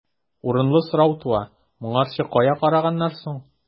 Урынлы сорау туа: моңарчы кая караганнар соң?